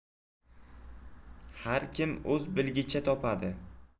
har kim o'z bilgicha topadi